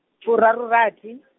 furarurathi .